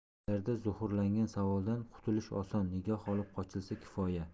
ko'zlarda zuhurlangan savoldan qutulish oson nigoh olib qochilsa kifoya